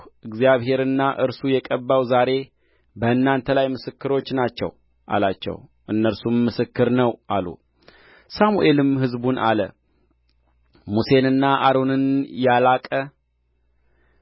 እግዚአብሔርና እርሱ የቀባው ዛሬ በእናንተ ላይ ምስክሮች ናቸው አላቸው እነርሱም ምስክር ነው አሉ ሳሙኤልም ሕዝቡን አለ ሙሴንና አሮንን ያላቀ